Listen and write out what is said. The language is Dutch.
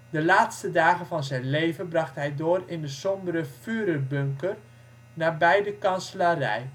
laatste dagen van zijn leven bracht hij door in de sombere Führerbunker nabij de kanselarij